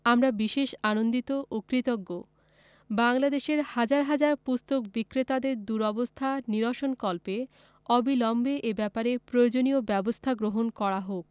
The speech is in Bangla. আমরা বিশেষ আনন্দিত ও কৃতজ্ঞ বাংলাদেশের হাজার হাজার পুস্তক বিক্রেতাদের দুরবস্থা নিরসনকল্পে অবিলম্বে এই ব্যাপারে প্রয়োজনীয় ব্যাবস্থা গ্রহণ করা হোক